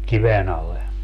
kiven alle